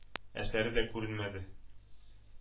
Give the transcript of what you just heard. Әсәре дә күренмәде.